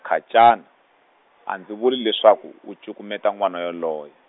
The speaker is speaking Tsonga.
-khacani, a ndzi vuli leswaku u cukumeta n'wana yoloye.